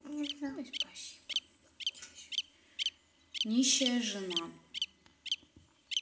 нищая жена